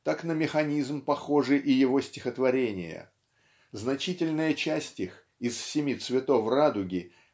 так на механизм похожи и его стихотворения. Значительная часть их из "Семи цветов радуги"